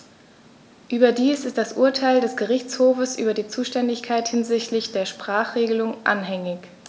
Überdies ist das Urteil des Gerichtshofes über die Zuständigkeit hinsichtlich der Sprachenregelung anhängig.